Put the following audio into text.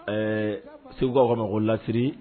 Ɛɛ segukaw ka ma lassiri